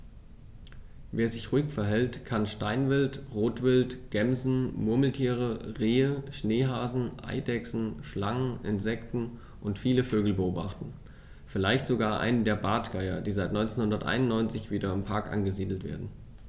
Wer sich ruhig verhält, kann Steinwild, Rotwild, Gämsen, Murmeltiere, Rehe, Schneehasen, Eidechsen, Schlangen, Insekten und viele Vögel beobachten, vielleicht sogar einen der Bartgeier, die seit 1991 wieder im Park angesiedelt werden.